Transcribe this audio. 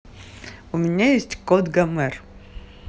у меня есть кот гомер